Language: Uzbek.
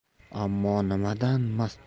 ammo nimadan mast